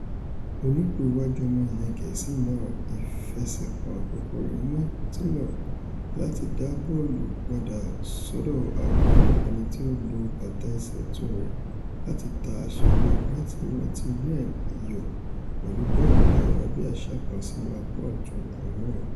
Onípò-iwájú ọmọ ilẹ̀ Gẹ̀ẹ́sì náà ìfẹsẹ̀kàn àkọ́kọ́ rẹ̀ nínú apoti náà láti dá bọ́ọ̀lù padà sọ́dọ̀ Aguero, ẹniti ó lo bàtà ẹsẹ̀ ọ̀tún rẹ̀ láti ta aṣọ́lé Brighton Mathew Ryan yọ pẹ̀lú bọ́ọ̀lù ayárabí-àṣá kan sínú apá ọ̀tún àwọn náà.